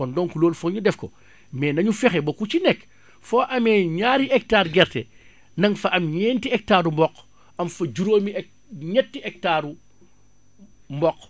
kon donc loolu foog ñu def ko mais nañu fexe ba ku ci nekk foo amee ñaari hectares gerte na nga fa amee ñenti hectares mboq am fa juróomi hectares ñetti hectares mboq